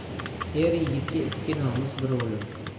er yigitga ikki nomus bir o'lim